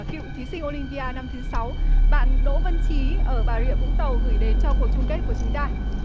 cựu thí sinh ô lim pi a năm thứ sáu bạn đỗ vân trí ở bà rịa vũng tàu gửi đến cho cuộc chung kết của chúng ta